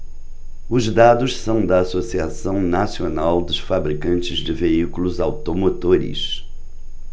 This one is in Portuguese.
os dados são da anfavea associação nacional dos fabricantes de veículos automotores